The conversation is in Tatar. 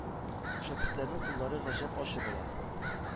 Шәкертләрнең куллары гаҗәп ачы була.